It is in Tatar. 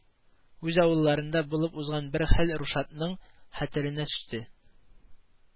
Үз авылларында булып узган бер хәл Рушадның хәтеренә төште